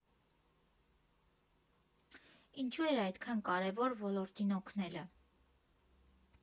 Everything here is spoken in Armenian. Ինչու էր այդքան կարևոր ոլորտին օգնելը։